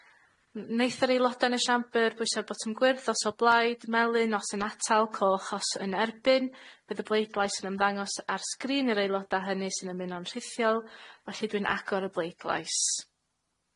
N- neith yr aeloda' yn y siambr bwyso'r botwm gwyrdd os o blaid, melyn os yn atal, coch os yn erbyn. Fydd y bleidlais yn ymddangos ar sgrin yr aeloda' hynny sy'n ymuno'n rhithiol. Felly dwi'n agor y bleidlais.